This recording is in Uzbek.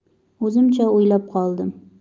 o'zimcha o'ylab qoldim